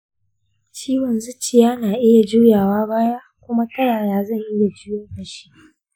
ciwon zuciya na iya juyawa baya kuma ta yaya zan iya juyar da shi?